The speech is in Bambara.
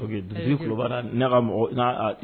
Parce que duguba n ka mɔgɔ n'